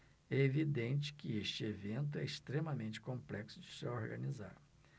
é evidente que este evento é extremamente complexo de se organizar